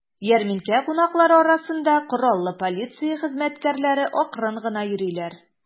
Ярминкә кунаклары арасында кораллы полиция хезмәткәрләре акрын гына йөриләр.